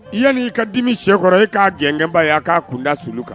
I yanani y'i ka dimi sɛkɔrɔ e k'a gɛnɛnba ye' k'a kunda su kan